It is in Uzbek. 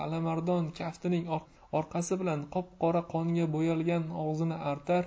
alimardon kaftining orqasi bilan qop qora qonga bo'yalgan og'zini artar